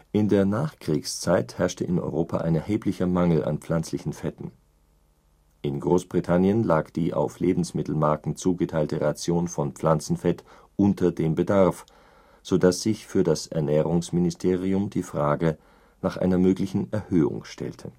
In der Nachkriegszeit herrschte in Europa ein erheblicher Mangel an Pflanzlichen Fetten. In Großbritannien lag die auf Lebensmittelmarken zugeteilte Ration von Pflanzenfett unter dem Bedarf, so dass sich für das Ernährungsministerium die Frage nach einer möglichen Erhöhung stellte